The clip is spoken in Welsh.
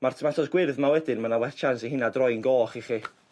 ma'r tomatos gwyrdd 'ma wedyn ma' 'na well chance i hina droi yn goch i chi.